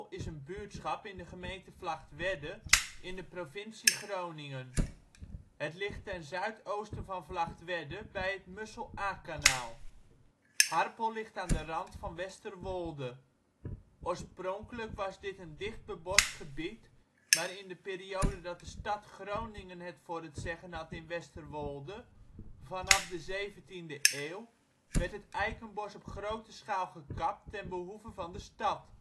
is een buurtschap in de gemeente Vlagtwedde in de provincie Groningen. Het ligt ten zuid-oosten van Vlagtwedde bij het Mussel-Aa-kanaal. Harpel ligt aan de rand van Westerwolde. Oorspronkelijk was dit een dicht bebost gebied, maar in de periode dat de stad Groningen het voor het zeggen had in Westerwolde, vanaf de zeventiende eeuw, werd het eikenbos op grote schaal gekapt ten behoeve van de stad